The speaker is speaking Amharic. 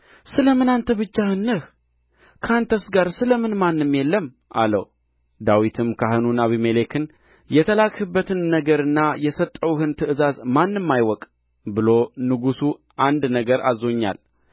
ስለ ምን አንተ ብቻህን ነህ ከአንተስ ጋር ስለ ምን ማንም የለም አለው ዳዊትም ካህኑን አቢሜሌክን የተላክህበትን ነገርና የሰጠሁህን ትእዛዝ ማንም አይወቅ ብሎ ንጉሡ አንድ ነገር አዝዞኛል